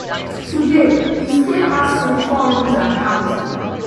Today, his cave has 24 rooms and counting.